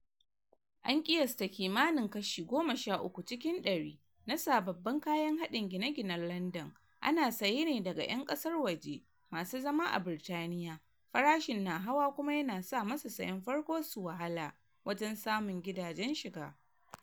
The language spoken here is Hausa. An kiyasta kimanin kashi 13 cikin dari na sababbin kayan haɗin gine-ginen London ana saye ne daga ‘yan kasar waje masu zama a Britaniya, farashin na hawa kuma yana sa masu sayen farko su wahala wajen samun gidajen shiga.